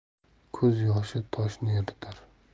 ko'z yoshi toshni eritar